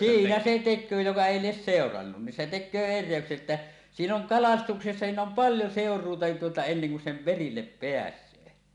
siinä se tekee joka ei lie seurannut niin se tekee erehdyksen että siinä on kalastuksessa siinä on paljon seuraamista niin tuota ennen kuin sen perille pääsee